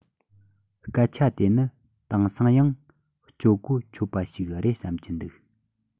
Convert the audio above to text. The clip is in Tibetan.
སྐད ཆ དེ ནི དེང སང ཡང སྤྱོད གོ ཆོད པ ཞིག རེད བསམ གྱི འདུག